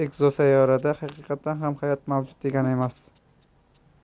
ekzosayyorada haqiqatan ham hayot mavjud degani emas